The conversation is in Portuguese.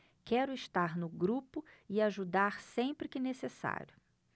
quero estar no grupo e ajudar sempre que necessário